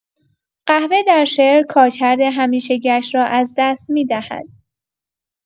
قهوه در شعر، کارکرد همیشگی‌اش را از دست می‌دهد.